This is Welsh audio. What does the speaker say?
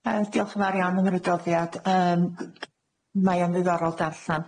Yy diolch yn fawr iawn am yr adroddiad yym g- g- mae o'n ddiddorol darllan.